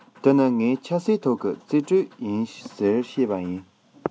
དེ ནི ངའི ཆབ སྲིད ཐོག གི རྩིས སྤྲོད ཡིན ཟེར བཤད པ ཡིན